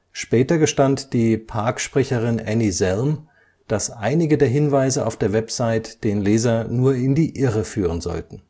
Später gestand die Parksprecherin Annie Zelm, dass einige der Hinweise auf der Website den Leser nur in die Irre führen sollten